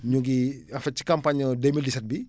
ñu ngi en fait ci camapagne 2017 bi